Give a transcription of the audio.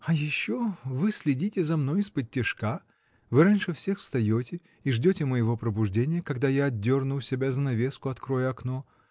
— А еще — вы следите за мной исподтишка: вы раньше всех встаете и ждете моего пробуждения, когда я отдерну у себя занавеску, открою окно.